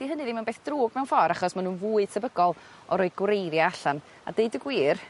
'di hynny ddim yn beth drwg mewn ffor' achos ma' nw'n fwy tebygol o roi gwreiddia' allan a deud y gwir